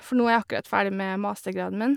For nå er jeg akkurat ferdig med mastergraden min.